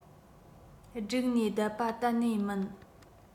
བསྒྲིགས ནས བསྡད པ གཏན ནས མིན